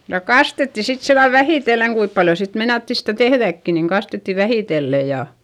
ja kastettiin sitten sillä lailla vähitellen kuinka paljon sitten meinattiin sitä tehdäkin niin kastettiin vähitellen ja